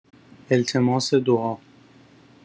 التماس دعا